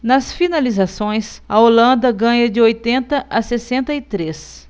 nas finalizações a holanda ganha de oitenta a sessenta e três